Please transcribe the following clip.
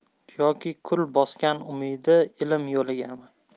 yoki kul bosgan umidi ilm yo'ligami